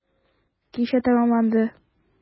Кичә тәмамланды.